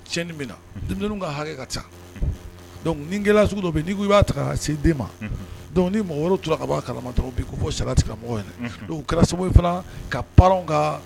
Tiɲɛni bɛ na, denmisɛnninw ka hakɛ ka ca, donc nigɛlɛya sugu dɔ bɛ yen n'i ko i b'a ta se i den ma, donc ni mɔgɔ wɛrɛw tora ka bɔ a kalama dɔrɔn u b'i kofɔ sariya tigilamɔgɔw ɲɛna, o kɛra sababu ye fana ka parents ka